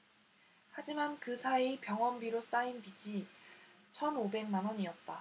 하지만 그 사이 병원비로 쌓인 빚이 천 오백 만원이었다